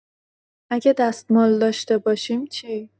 اگه دستمال داشته باشیم چی؟